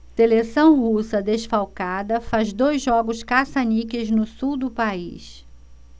seleção russa desfalcada faz dois jogos caça-níqueis no sul do país